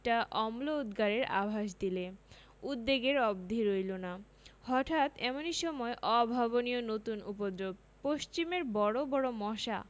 একটা অম্ল উদগারের আভাস দিলে উদ্বেগের অবধি রইল না হঠাৎ এমনি সময় অভাবনীয় নতুন উপদ্রব পশ্চিমের বড় বড় মশা